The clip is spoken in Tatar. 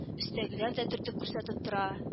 Өстәгеләр дә төртеп күрсәтеп тора